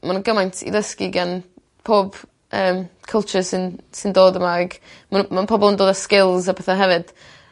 ma' 'na gymaint i ddysgu gan pob yym culture sy'n sy'n dod yma like ma' n'w ma'n pobol yn dod â skills a petha hefyd